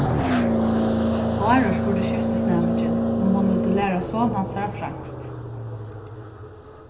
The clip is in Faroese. bárður spurdi skiftisnæmingin um hon vildi læra son hansara franskt